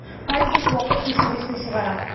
Альбус вакыт күчергечне чыгара.